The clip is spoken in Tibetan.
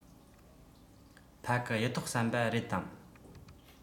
ཕ གི གཡུ ཐོག ཟམ པ རེད དམ